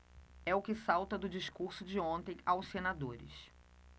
é o que salta do discurso de ontem aos senadores